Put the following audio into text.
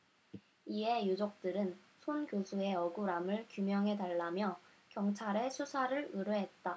이에 유족들은 손 교수의 억울함을 규명해 달라며 경찰에 수사를 의뢰했다